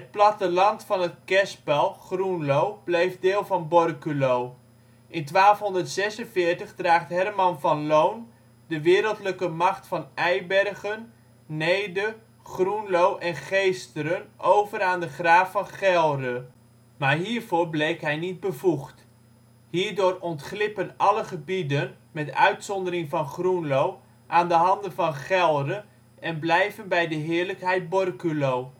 platteland van het kerspel Groenlo bleef deel van Borculo. In 1246 draagt Herman van Loon de wereldlijke macht van Eibergen, Neede, Groenlo en Geesteren over aan de Graaf van Gelre, maar hiervoor bleek hij niet bevoegd. Hierdoor ontglippen alle gebieden, met uitzondering van Groenlo, aan de handen van Gelre en blijven bij de heerlijkheid Borculo